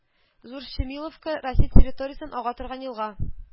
Зур Щемиловка Русия территориясеннән ага торган елга